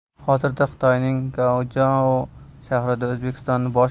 hozirda xitoyning guanchjou shahrida o'zbekiston bosh